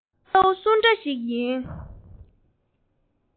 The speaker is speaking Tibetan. སྐྱེ བོ སུ འདྲ ཞིག ཡིན